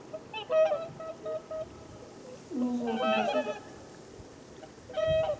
не жадничай